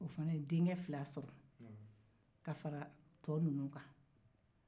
o fana ye denkɛ fila sɔrɔ ka fara tɔ ninuw fana kan